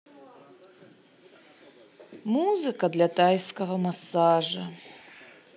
музыка для тайского массажа